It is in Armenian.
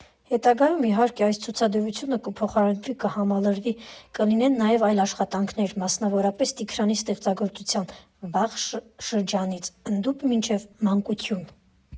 Հետագայում, իհարկե, այս ցուցադրությունը կփոխարինվի, կհամալրվի, կլինեն նաև այլ աշխատանքներ, մասնավորապես Տիգրանի ստեղծագործության վաղ շրջանից, ընդհուպ մինչև մանկություն։